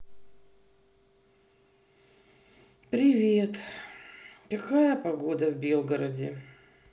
привет какая погода в белгороде